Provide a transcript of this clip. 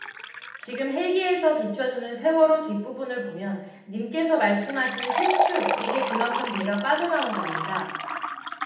지금 헬기에서 비춰주는 세월호 뒷부분을 보면 님께서 말씀하신 세 축 이게 그만큼 배가 빠져나온 겁니다